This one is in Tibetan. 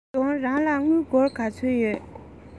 ཞའོ ཏིང རང ལ དངུལ སྒོར ག ཚོད ཡོད